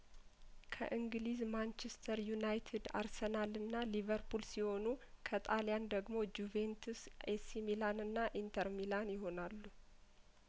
ከእንግሊዝ ማንቸስተር ዩናይትድ አርሰናልና ሊቨርፑል ሲሆኑ ከጣልያን ደግሞ ጁቬንትስ ኤሲ ሚላንና ኢንተር ሚላን ይሆናሉ